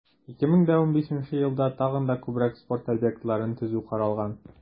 2015 елда тагын да күбрәк спорт объектларын төзү каралган.